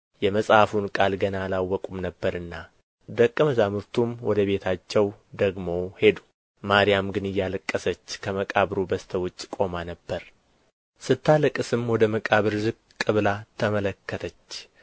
የመጽሐፉን ቃል ገና አላወቁም ነበርና ደቀ መዛሙርቱም ወደ ቤታቸው ደግሞ ሄዱ ማርያም ግን እያለቀሰች ከመቃብሩ በስተ ውጭ ቆማ ነበር ስታለቅስም ወደ መቃብር ዝቅ ብላ ተመለከተች